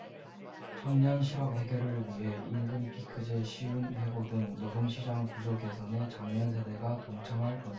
청년실업 해결을 위해 임금피크제 쉬운 해고 등 노동시장 구조 개선에 장년 세대가 동참할 것을 요구하는 광고였다